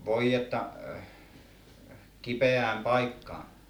voidetta kipeään paikkaan